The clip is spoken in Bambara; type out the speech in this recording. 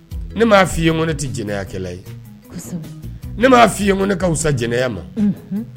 Ne m'a f'i ye ŋo ne tɛ jɛnɛyakɛla ye kɔsɔbɛ ne m'a f'i ye ŋo ne ka wusa jɛnɛya ma unhun